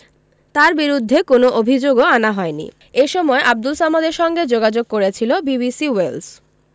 তাঁর বিরুদ্ধে কোনো অভিযোগও আনা হয়নি এ বিষয়ে আবদুল সামাদের সঙ্গে যোগাযোগ করেছিল বিবিসি ওয়েলস